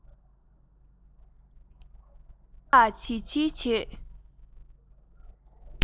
གདོང ལ བྱིལ བྱིལ བྱེད